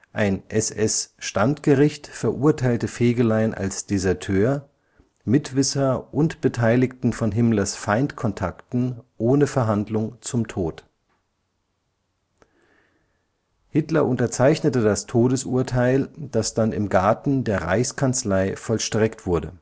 Ein SS-Standgericht verurteilte Fegelein als Deserteur, Mitwisser und Beteiligten von Himmlers Feindkontakten ohne Verhandlung zum Tod. Hitler unterzeichnete das Todesurteil, das dann im Garten der Reichskanzlei vollstreckt wurde